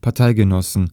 Parteigenossen